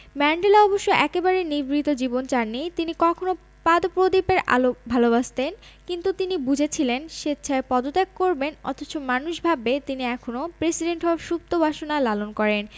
Mandela অবশ্য একেবারে নিভৃত জীবন চাননি তিনি কখনো পাদপ্রদীপের আলো ভালোবাসতেন কিন্তু তিনি বুঝেছিলেন স্বেচ্ছায় পদত্যাগ করবেন অথচ মানুষ ভাববে তিনি এখনো প্রেসিডেন্ট হওয়ার সুপ্ত বাসনা লালন করেন